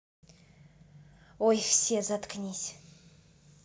ой все заткнись